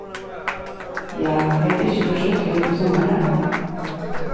ja hevði tað ikki verið stuttligt um summarið